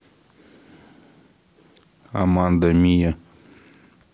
аманда мия